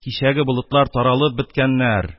Кичәге болытлар таралып беткәннәр.